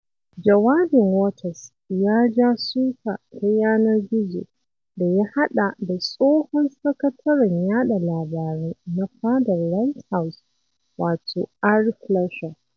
Jawabin Waters ya ja suka ta yanar gizo, da ya haɗa da tsohon sakataren yaɗa labarai na fadar White House wato Ari Fleischer.